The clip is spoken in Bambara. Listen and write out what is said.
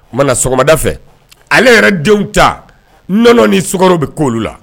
O kumana sɔgɔmada fɛ, ale yɛrɛ denw ta nɔnɔ ni sukɔrɔ bi kolu la.